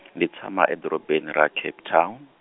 ndzi tshama edorobeni ra Cape Town.